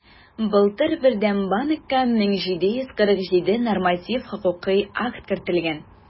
Былтыр Бердәм банкка 1747 норматив хокукый акт кертелгән.